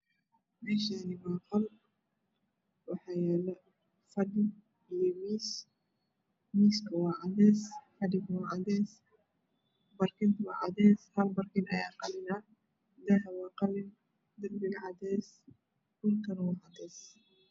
Meshani waa qol waxana yala fadhi iyo miis waa cadees fadhiga waa cadees barkintuna waa cadees hal barkin ayaa qalin ah daha waa qalin derbiga waa cadees